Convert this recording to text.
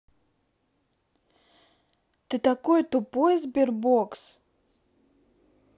ты такой тупой sberbox